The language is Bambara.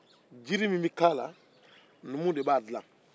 jiri min bɛ kɛ a la numu de b'a dila